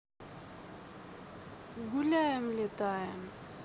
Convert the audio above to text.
гуляем летаем